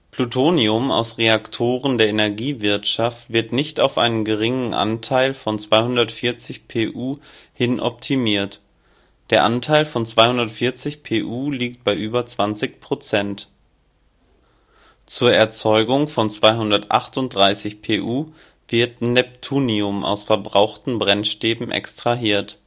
Plutonium aus Reaktoren der Energiewirtschaft (reactor grade) wird nicht auf einen geringen Anteil von 240Pu hin optimiert, der Anteil von 240Pu liegt bei über 20 %. Zur Erzeugung von 238Pu wird Neptunium aus verbrauchten Brennstäben extrahiert